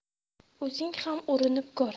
o'zing ham urinib ko'r